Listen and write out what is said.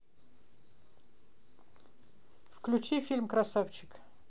включи фильм красавчик